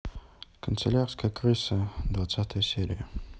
канцелярская крыса двенадцатая серия